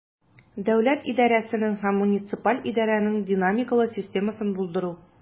Дәүләт идарәсенең һәм муниципаль идарәнең динамикалы системасын булдыру.